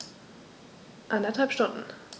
Eineinhalb Stunden